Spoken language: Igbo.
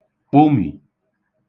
kpụmì